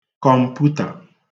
kọ̀mputà